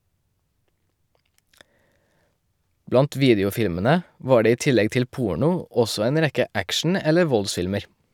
Blant videofilmene var det i tillegg til porno, også en rekke action- eller voldsfilmer.